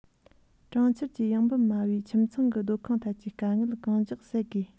གྲོང ཁྱེར གྱི ཡོང འབབ དམའ བའི ཁྱིམ ཚང གི སྡོད ཁང ཐད ཀྱི དཀའ ངལ གང མགྱོགས སེལ དགོས